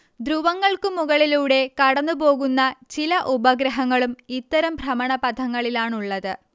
ധ്രുവങ്ങൾക്കു മുകളിലൂടെ കടന്നുപോകുന്ന ചില ഉപഗ്രഹങ്ങളും ഇത്തരം ഭ്രമണപഥങ്ങളിലാണുള്ളത്